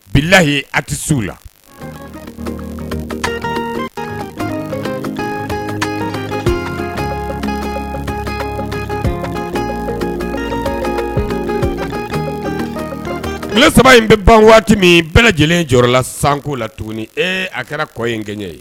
Bilayi a tɛsiww la tile saba in bɛ ban waati min bɛɛ lajɛlen jɔyɔrɔla san la tuguni e a kɛra kɔ ye kɛɲɛ ye